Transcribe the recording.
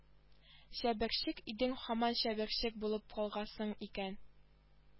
Чәберчек идең һаман чәберчек булып калгансың икән